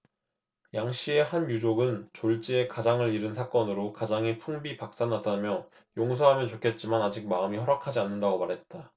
양 씨의 한 유족은 졸지에 가장을 잃은 사건으로 가정이 풍비박산 났다며 용서하면 좋겠지만 아직 마음이 허락하지 않는다고 말했다